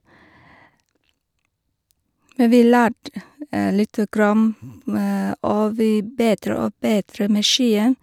Men vi lært lite grann, og vi bedre og bedre med skien.